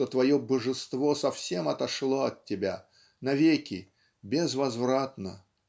что твое Божество совсем отошло от тебя навеки безвозвратно